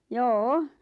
joo